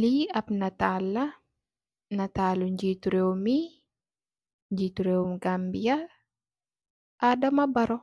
Li ap netal la netal ngeti rew mi ngeti reewi Gambia Adama Barrow